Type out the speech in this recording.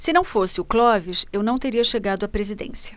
se não fosse o clóvis eu não teria chegado à presidência